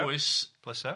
nhwys. Pleser.